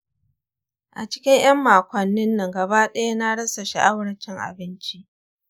a cikin ‘yan makonnin nan, gaba ɗaya na rasa sha’awar cin abinci.